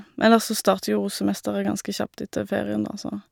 Ellers så starter jo semesteret ganske kjapt etter ferien, da, så...